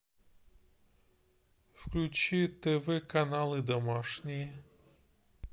включи тв каналы домашние